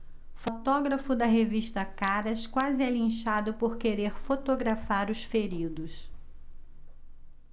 fotógrafo da revista caras quase é linchado por querer fotografar os feridos